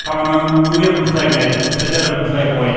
Pam maen nhw'n dwy ar bymtheg neu pedair ar bymtheg oed.